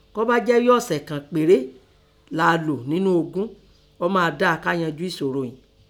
Kọ́ bá jẹ́ ghí ọ̀sẹ̀ kàn péré la lò ńnú ogun, ọ máa dáa ká yanjú ìsòro ìín.